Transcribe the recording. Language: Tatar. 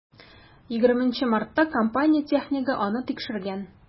20 мартта компания технигы аны тикшергән.